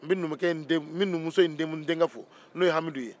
n bɛ numukɛ in den bɛ numumuso in denkɛ fo n'o ye hamidu ye